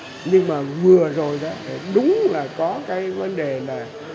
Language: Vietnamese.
nhưng mà vừa rồi đó đúng là có cái vấn đề này